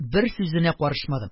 Бер сүзенә карышмадым,